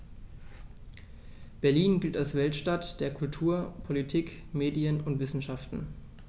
Berlin gilt als Weltstadt der Kultur, Politik, Medien und Wissenschaften.